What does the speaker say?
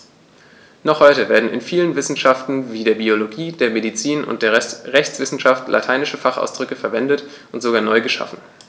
Noch heute werden in vielen Wissenschaften wie der Biologie, der Medizin und der Rechtswissenschaft lateinische Fachausdrücke verwendet und sogar neu geschaffen.